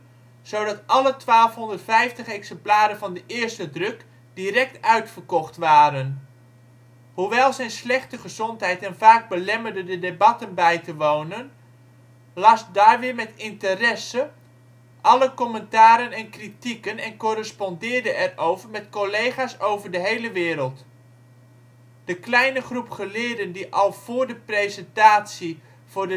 zodat alle 1250 exemplaren van de eerste druk direct uitverkocht waren. Hoewel zijn slechte gezondheid hem vaak belemmerde de debatten bij te wonen las Darwin met interesse alle commentaren en kritieken en correspondeerde erover met collega 's over de hele wereld. De kleine groep geleerden die al voor de presentatie voor